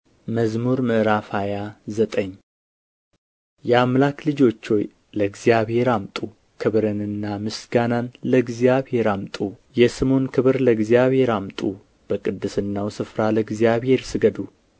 መዝሙር ሃያ ዘጠኝ የአምላክ ልጆች ሆይ ለእግዚአብሔር አምጡ ክብርንና ምስጋናን ለእግዚአብሔር አምጡ የስሙን ክብር ለእግዚአብሔር አምጡ በቅድስናው ስፍራ ለእግዚአብሔር ስገዱ